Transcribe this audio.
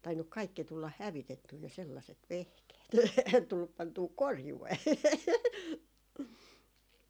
tainnut kaikki tulla hävitettyä ne sellaiset vehkeet ei tullut pantua korjuun